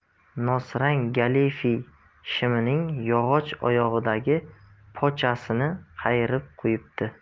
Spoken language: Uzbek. nosrang galife shimining yog'och oyog'idagi pochasini qayirib qo'yibdi